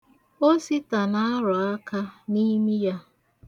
Osita na-arụ aka n'imi ya.